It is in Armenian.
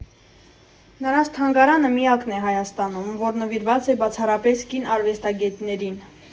Նրանց թանգարանը միակն է Հայաստանում, որ նվիրված է բացառապես կին արվեստագետներին։